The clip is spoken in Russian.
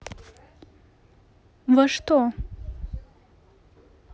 во что